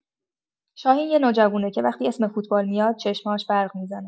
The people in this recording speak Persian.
شاهین یه نوجوونه که وقتی اسم فوتبال میاد، چشم‌هاش برق می‌زنه.